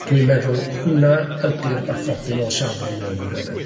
Dwi'n meddwl hwnna ydy'r bathodyn o safon mewn gwirionedd.